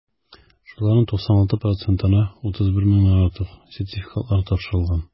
Шуларның 96 процентына (31 меңнән артык) сертификатлар тапшырылган.